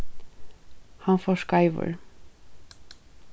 hann fór skeivur